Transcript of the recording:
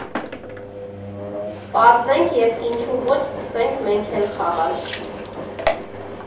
Պարզենք և ինչու ոչ՝ սկսենք մենք էլ խաղալ։